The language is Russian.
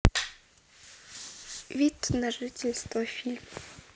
вид на жительство фильм